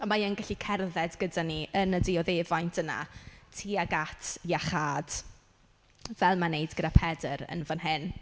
A ma' e'n gallu cerdded gyda ni yn y dioddefaint yna tuag at iachâd fel ma'n wneud gyda Pedr yn fan hyn.